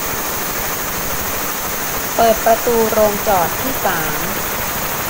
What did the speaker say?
เปิดประตูโรงจอดที่สาม